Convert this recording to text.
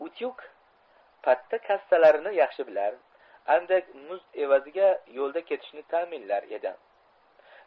utyug patta kassalarini yaxshi bilar andak muzd evaziga yo'lda ketishni ta'minlar edi